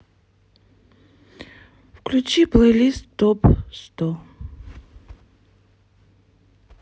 включи плейлист топ сто